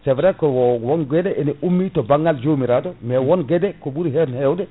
c' vrai ko won gueɗe to ummi to banggal jomiraɗo e won gueɗe ko ɓuri hen hewde